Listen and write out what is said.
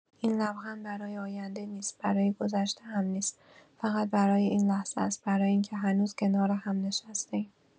این لبخند برای آینده نیست، برای گذشته هم نیست؛ فقط برای این لحظه است، برای این‌که هنوز کنار هم نشسته‌ایم.